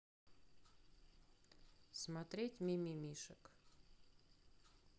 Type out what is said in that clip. смотреть мимимишек